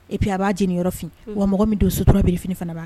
Epi a b'a jigineni yɔrɔfin wa mɔgɔ min don sotura bɛ fini fanaba